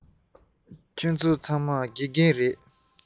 ཁྱེད ཚོ ཚང མ དགེ རྒན རེད